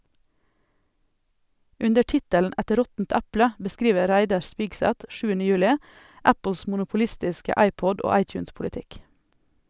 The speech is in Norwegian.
Under tittelen "Et råttent eple" beskriver Reidar Spigseth 7. juli Apples monopolistiske iPod- og iTunes-politikk.